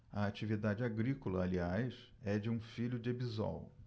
a atividade agrícola aliás é de um filho de bisol